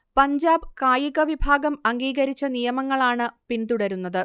പഞ്ചാബ് കായികവിഭാഗം അംഗീകരിച്ച നിയമങ്ങൾ ആണ് പിന്തുടരുന്നത്